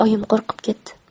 oyim qo'rqib ketdi